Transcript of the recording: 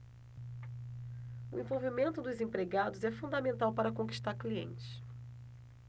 o envolvimento dos empregados é fundamental para conquistar clientes